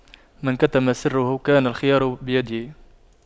من كتم سره كان الخيار بيده